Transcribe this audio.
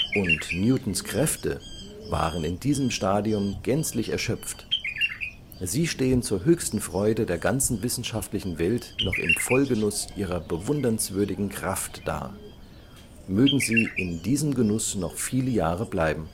Und Newtons Kräfte waren in diesem Stadium gänzlich erschöpft: Sie stehen zur höchsten Freude der ganzen wissenschaftlichen Welt noch im Vollgenuss Ihrer bewundernswürdigen Kraft da. Mögen Sie in diesem Genuss noch viele Jahre bleiben